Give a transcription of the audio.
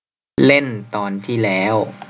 เล่นตอนที่แล้ว